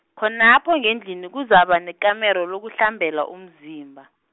khonapho ngendlini kuzaba nekamero lokuhlambela umzimba.